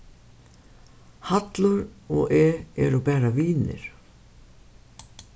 hallur og eg eru bara vinir